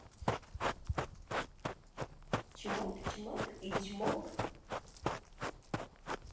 чумак чумак и чмок